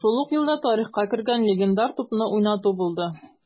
Шул ук елда тарихка кергән легендар тупны уйнату булды: